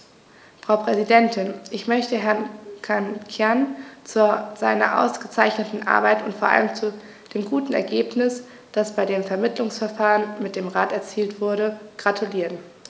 Frau Präsidentin, ich möchte Herrn Cancian zu seiner ausgezeichneten Arbeit und vor allem zu dem guten Ergebnis, das bei dem Vermittlungsverfahren mit dem Rat erzielt wurde, gratulieren.